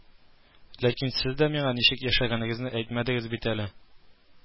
Ләкин сез дә миңа ничек яшәгәнегезне әйтмәдегез бит әле